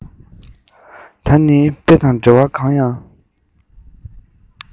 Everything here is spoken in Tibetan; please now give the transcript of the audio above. ད ནི དཔེ དང འགྲེལ བ གང ཡང